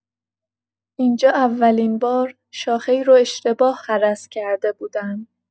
اینجا اولین بار شاخه‌ای رو اشتباه هرس کرده بودم.